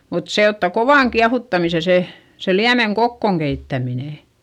mutta se ottaa kovan kiehuttamisen se se liemen kokoon keittäminen